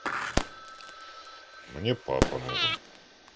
мне папа нужен